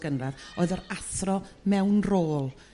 gynradd oedd yr athro mewn rôl